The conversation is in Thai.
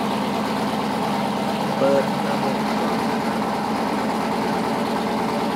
เปิดระบบกล้องภายในห้อง